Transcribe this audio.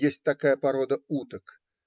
Есть такая порода уток